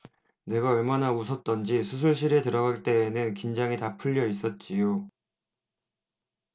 내가 얼마나 웃었던지 수술실에 들어갈 때에는 긴장이 다 풀려 있었지요